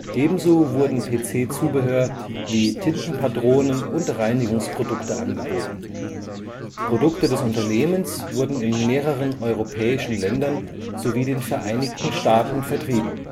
Ebenso wurden PC-Zubehör wie Tintenpatronen und Reinigungsprodukte angeboten. Produkte des Unternehmens wurden in mehreren europäischen Ländern sowie den Vereinigten Staaten vertrieben